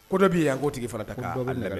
Ko dɔ'i a ko tigi fana ta